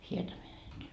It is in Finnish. Hietamäeltä